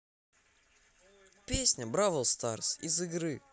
песня бравл старс из игры